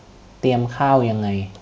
เตรียมข้าวยังไง